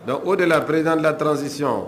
Donc o de la president de la transition